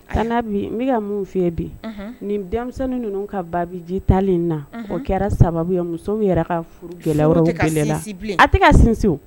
Kana bi n bɛka mun fɛ bi nin denmisɛnnin ninnu ka babi ji talen na o kɛra sababu yan muso yɛrɛ ka furu gɛlɛ yɔrɔ kɛlɛ la a tɛ ka sinsin